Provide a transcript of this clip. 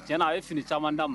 Diɲɛ a ye fini caman d'a ma